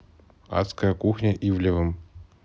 адская кухня ивлевым